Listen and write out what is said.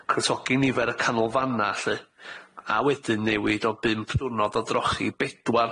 Cwtogi nifer y canolfanna lly, a wedyn newid o bump dwrnod o drochi i bedwar.